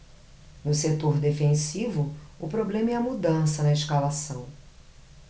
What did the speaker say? no setor defensivo o problema é a mudança na escalação